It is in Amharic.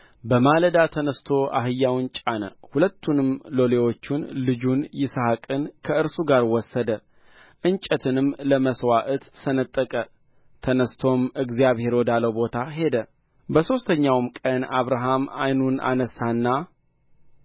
በማለዳ ተነሥቶ አህያውን ጫነ ሁለቱንም ሎሌዎቹንና ልጁን ይስሕቅን ከእርሱ ጋር ወሰደ እንጨትንም ለመሥዋዕት ሰነጠቀ ተነሥቶም እግዚአብሔር ወዳለው ቦታ ሄደ በሦስተኛውም ቀን አብርሃም ዓይኑን አነሣና